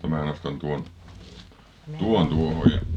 mutta minä nostan tuon tuon tuohon ja